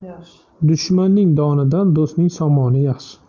dushmanning donidan do'stning somoni yaxshi